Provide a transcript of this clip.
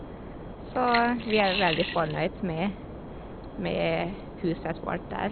Så vi er veldig fornøyd med med huset vårt der.